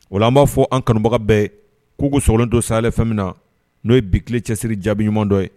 Ola an b'a fɔɔ an kanubaga bɛɛ ye k'u k'u sɔgɔlen to Sahel FM naa n'o ye bi tile cɛsiri jaabiɲuman dɔ ye